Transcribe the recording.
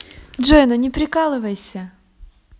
джой ну не прикалывайся